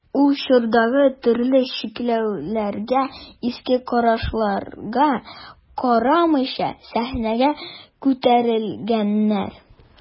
Ул чордагы төрле чикләүләргә, иске карашларга карамыйча сәхнәгә күтәрелгәннәр.